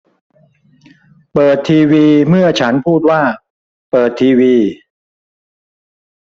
เปิดทีวีเมื่อฉันพูดว่าเปิดทีวี